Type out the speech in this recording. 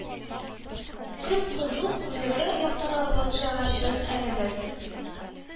– көн кызу, күләгә яктагы лоджиягә чыгыйк әле без